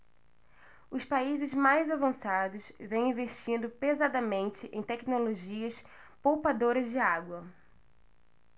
os países mais avançados vêm investindo pesadamente em tecnologias poupadoras de água